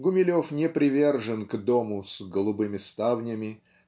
Гумилев не привержен к дому "с голубыми ставнями